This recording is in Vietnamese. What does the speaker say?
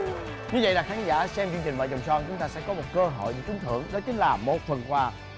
như vậy là khán giả xem chương trình vợ chồng son chúng ta sẽ có một cơ hội trúng thưởng đó chính là một phần quà